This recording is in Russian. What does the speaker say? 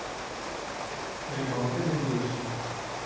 рыбалка на лечо